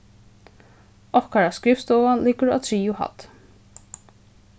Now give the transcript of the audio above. okkara skrivstova liggur á triðju hædd